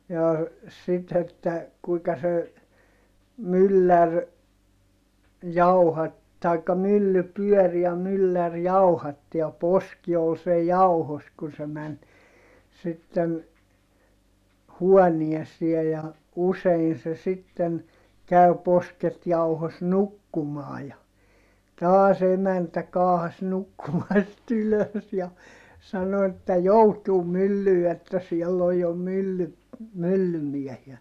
jaa sitten että kuinka se mylläri - tai mylly pyöri ja mylläri jauhatti ja poski oli sen jauhossa kun se meni sitten huoneeseen ja usein se sitten kävi posket jauhossa nukkumaan ja taas emäntä kaahasi nukkumasta ylös ja sanoi että joutuin myllyyn että siellä oli jo - myllymiehiä